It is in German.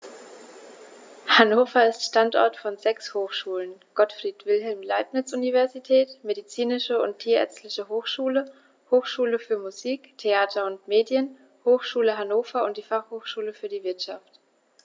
Hannover ist Standort von sechs Hochschulen: Gottfried Wilhelm Leibniz Universität, Medizinische und Tierärztliche Hochschule, Hochschule für Musik, Theater und Medien, Hochschule Hannover und die Fachhochschule für die Wirtschaft.